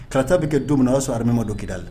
Karatata bɛ kɛ don min a'a sɔrɔ hadamalima don gda la